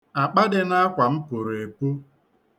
Akpa dị n'akwa m puru epu